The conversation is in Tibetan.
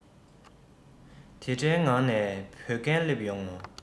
དེ འདྲའི ངང ནས འབོད མཁན སླེབས ཡོང ངོ